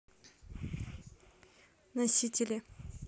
носители